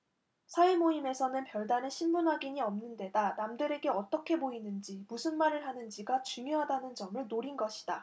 사회모임에서는 별다른 신분 확인이 없는 데다 남들에게 어떻게 보이는지 무슨 말을 하는지가 중요하다는 점을 노린 것이다